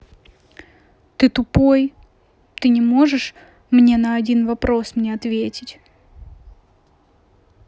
ты тупой ты не можешь мне на один вопрос мне ответить